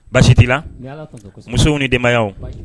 Baasi t'i la ? N bɛb,.Musow ni denbayaw?